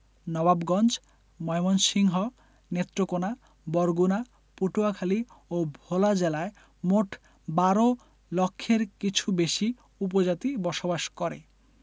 নবাবগঞ্জ ময়মনসিংহ নেত্রকোনা বরগুনা পটুয়াখালী ও ভোলা জেলায় মোট ১২ লক্ষের কিছু বেশি উপজাতি বসবাস করে